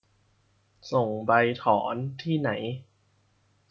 ส่งใบถอนที่ไหน